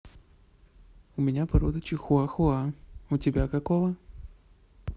у меня порода чихуахуа у тебя какого